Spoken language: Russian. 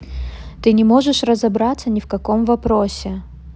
ты не можешь разобраться ни в каком вопросе